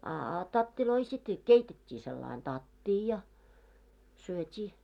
a a tatteja sitten keitettiin sillä lailla tattia ja syötiin